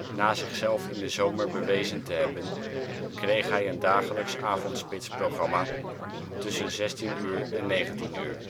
Na zichzelf in de zomer bewezen te hebben kreeg hij een dagelijks avondspitsprogramma tussen 16.00 en 19.00 uur